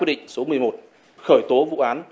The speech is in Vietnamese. định số mười một khởi tố vụ án